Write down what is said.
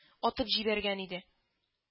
Атып җибәргән инде